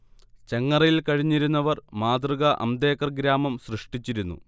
ചെങ്ങറയിൽ കഴിഞ്ഞിരുന്നവർ മാതൃകാ അംബേദ്കർ ഗ്രാമം സൃഷ്ടിച്ചിരുന്നു